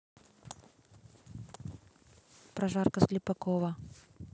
прожарка слепакова